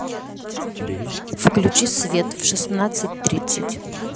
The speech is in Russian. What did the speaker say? включи свет в шестнадцать тринадцать